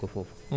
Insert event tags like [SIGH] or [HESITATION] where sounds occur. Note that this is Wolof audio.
[HESITATION] [HESITATION]